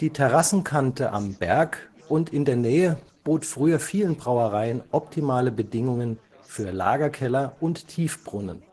Terrassenkante am „ Berg “und in der Nähe bot früher vielen Brauereien optimale Bedingungen für Lagerkeller und Tiefbrunnen